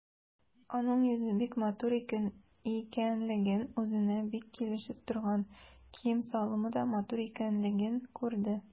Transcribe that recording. Аның йөзе бик матур икәнлеген, үзенә бик килешеп торган кием-салымы да матур икәнлеген күрде.